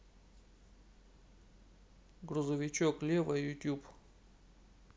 грузовичок лева ютуб